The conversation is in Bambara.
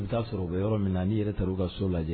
I bɛ taa sɔrɔ u bɛ yɔrɔ min na n'i yɛrɛ taar'u ka so lajɛ